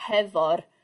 hefo'r